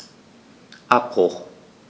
Abbruch.